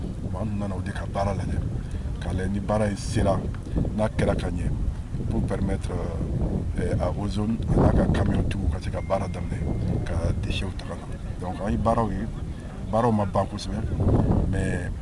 Nana lajɛ ni baara in sera n'a kɛra ka ɲɛ a'a ka kami ka se ka baara daminɛ ka baaraw baaraw ma ban kosɛbɛ